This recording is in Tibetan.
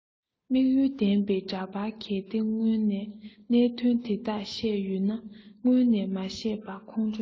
དམིགས ཡུལ ལྡན པའི འདྲ པར གལ ཏེ སྔོན ནས གནད དོན དེ དག བཤད ཡོད ན སྔོན ནས མ བཤད པར ཁོང ཁྲོ ཟ